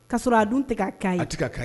K kaa sɔrɔ a dun tɛ ka kan ye a tigɛ ka ye